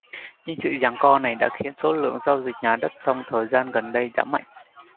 chính sự giằng co này đã khiến số lượng giao dịch nhà đất trong thời gian gần đây giảm mạnh